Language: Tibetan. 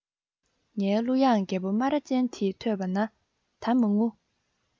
ངའི གླུ དབྱངས རྒད པོ སྨ ར ཅན དེས ཐོས པ ན ད མ ངུ